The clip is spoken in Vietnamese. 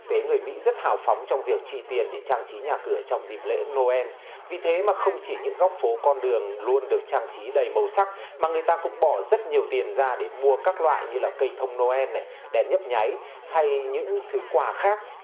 tế người mỹ rất hào phóng trong việc chi tiền để trang trí nhà cửa trong dịp lễ nô en vì thế mà không chỉ những góc phố con đường luôn được trang trí đầy màu sắc mà người ta cũng bỏ rất nhiều tiền ra để mua các loại như là cây thông nô en đèn nhấp nháy hay những thứ quà khác